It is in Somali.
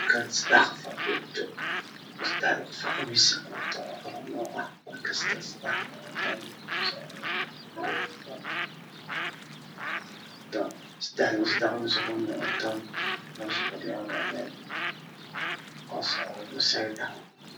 Meshaan fadhiyo saddex wiil waxay wataal qamiiso cadaan madow iyo buluug waxaa ka dambeeyay masaajid